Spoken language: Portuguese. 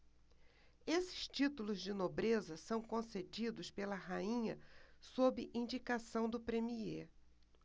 esses títulos de nobreza são concedidos pela rainha sob indicação do premiê